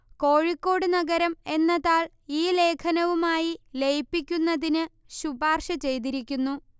കോഴിക്കോട് നഗരം എന്ന താൾ ഈ ലേഖനവുമായി ലയിപ്പിക്കുന്നതിന് ശുപാർശ ചെയ്തിരിക്കുന്നു